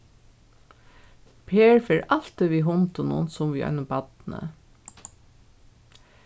per fer altíð við hundinum sum við einum barni